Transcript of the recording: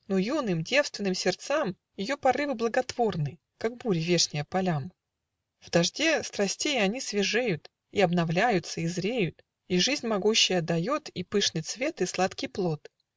Но юным, девственным сердцам Ее порывы благотворны, Как бури вешние полям: В дожде страстей они свежеют, И обновляются, и зреют - И жизнь могущая дает И пышный цвет и сладкий плод.